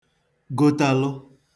gotalụ